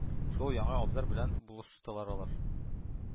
Шул яңа абзар белән булыштылар алар.